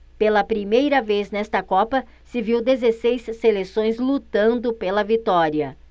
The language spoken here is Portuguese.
pela primeira vez nesta copa se viu dezesseis seleções lutando pela vitória